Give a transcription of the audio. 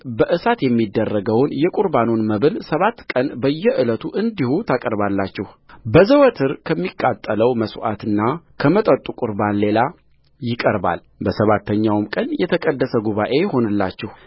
በእሳት የሚደረገውን የቍርባኑን መብል ሰባት ቀን በየዕለቱ እንዲሁ ታቀርባላችሁ በዘወትር ከሚቃጠለው መሥዋዕትና ከመጠጡ ቍርባን ሌላ ይቀርባልበሰባተኛውም ቀን የተቀደሰ ጉባኤ ይሁንላችሁ